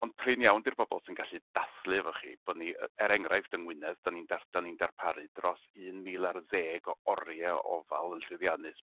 Ond prin iawn 'di'r bobol sy'n gallu dathlu efo chi bo' ni yy er enghraifft yng Ngwynedd 'dan ni'n dar- 'dan ni'n darparu dros un mil ar ddeg o orie o ofal yn llwyddiannus